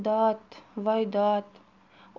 dod voy dod